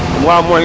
fournisseur bi